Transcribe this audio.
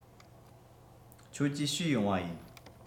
ཁྱོད ཀྱིས བཤུས ཡོང བ ཡིན